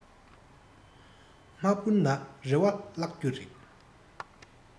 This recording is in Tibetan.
མ འཕུར ན རེ བ བརླགས རྒྱུ རེད